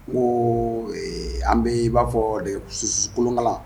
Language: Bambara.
Ko an bɛ i b'a fɔ de kolonkala